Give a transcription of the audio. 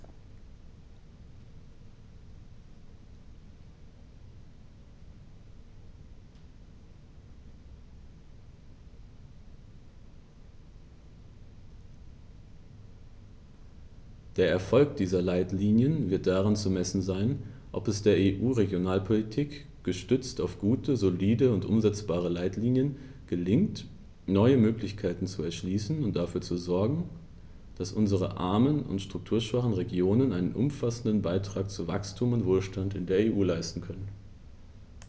Der Erfolg dieser Leitlinien wird daran zu messen sein, ob es der EU-Regionalpolitik, gestützt auf gute, solide und umsetzbare Leitlinien, gelingt, neue Möglichkeiten zu erschließen und dafür zu sogen, dass unsere armen und strukturschwachen Regionen einen umfassenden Beitrag zu Wachstum und Wohlstand in der EU leisten können.